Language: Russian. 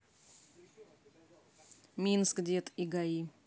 минск дед и гаи